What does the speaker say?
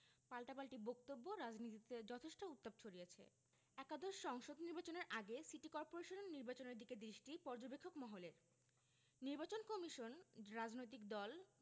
পাল্টাপাল্টি বক্তব্য রাজনীতিতে যথেষ্ট উত্তাপ ছড়িয়েছে একাদশ সংসদ নির্বাচনের আগে সিটি করপোরেশন নির্বাচনের দিকে দৃষ্টি পর্যবেক্ষক মহলের নির্বাচন কমিশন রাজনৈতিক দল